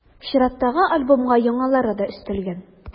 Чираттагы альбомга яңалары да өстәлгән.